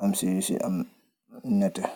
emm si yusi emm lu neteh.